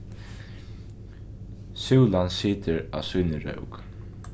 súlan situr á síni rók